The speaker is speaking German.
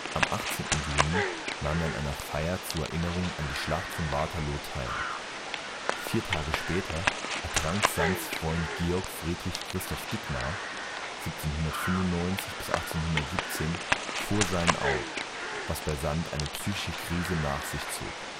Am 18. Juni nahm er an einer Feier zur Erinnerung an die Schlacht bei Waterloo teil. Vier Tage später ertrank Sands Freund Georg Friedrich Christoph Dittmar (1795 – 1817) vor seinen Augen, was bei Sand eine psychische Krise nach sich zog